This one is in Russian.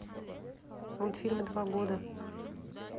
мультфильмы два года